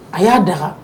A y'a daga